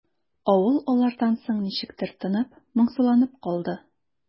Авыл алардан соң ничектер тынып, моңсуланып калды.